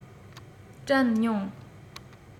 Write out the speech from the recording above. དྲན མྱོང